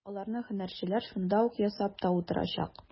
Аларны һөнәрчеләр шунда ук ясап та утырачак.